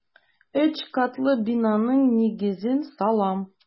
Өч катлы бинаның нигезен салам.